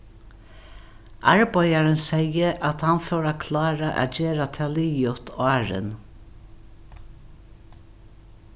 arbeiðarin segði at hann fór at klára at gera tað liðugt áðrenn